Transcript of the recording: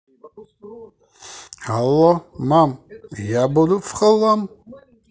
алло мам я буду в хлам